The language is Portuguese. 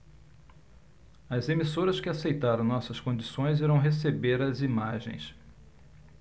as emissoras que aceitaram nossas condições irão receber as imagens